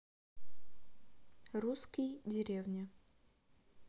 русский деревня